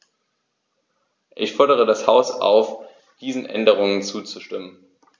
Ich fordere das Haus auf, diesen Änderungen zuzustimmen.